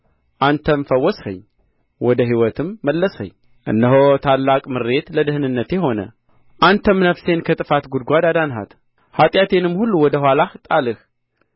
አንተም ፈወስኸኝ ወደ ሕይወትም መለስኸኝ እነሆ ታላቅ ምሬት ለደኅንነቴ ሆነ አንተም ነፍሴን ከጥፋት ጕድጓድ አዳንሃት ኃጢአቴንም ሁሉ ወደ ኋላህ ጣልህ